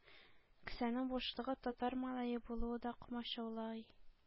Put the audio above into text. Кесәнең бушлыгы, татар малае булуы да комачаулый.